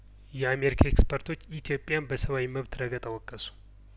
የአሜሪካ ኤክስፐርቶች ኢትዮጵያን በሰብአዊ መብት ረገጣ ወቀሱ